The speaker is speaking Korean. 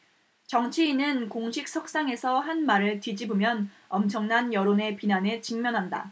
정치인은 공식 석상에서 한 말을 뒤집으면 엄청난 여론의 비난에 직면한다